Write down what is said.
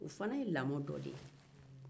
o fana ye lamɔ dɔ de ye